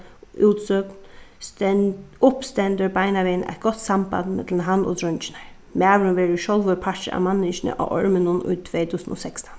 útsøgn uppstendur beinanvegin eitt gott samband millum hann og dreingirnar maðurin verður sjálvur partur av manningini á orminum í tvey túsund og sekstan